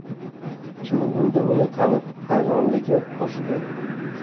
chuvrindi uni tanib hayronligi oshdi